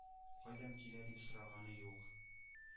Кайдан килә дип сораганы юк?